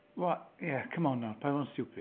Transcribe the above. We- ie, come on nawr paid bod yn stupid.